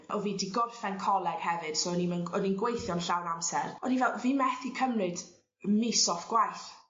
o fi 'di gorffen coleg hefyd so o'n i'm yn gw- o'n i'n gweithio'n llawn amser o'n i fel fi methu cymryd mis off gwaith.